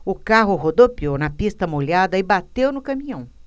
o carro rodopiou na pista molhada e bateu no caminhão